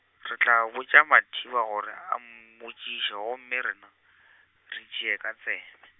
re tla botša Mathiba gore a mmotšiše gomme rena, re tšee ka tsebe.